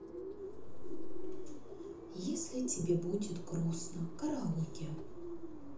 если тебе будет грустно караоке